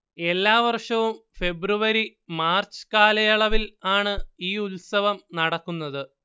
എല്ലാ വർഷവും February March കാലയളവിൽ ആണ് ഈ ഉത്സവം നടക്കുന്നത്